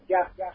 Dia